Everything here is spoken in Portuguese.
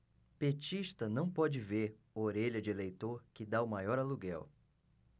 petista não pode ver orelha de eleitor que tá o maior aluguel